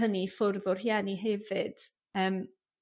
hynny i ffwrdd o rhieni hefyd yym.